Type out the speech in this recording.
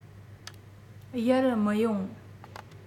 ཡར མི ཡོང